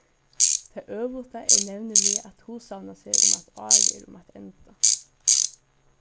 tað øvuta er nevniliga at hugsavna seg um at árið er um at enda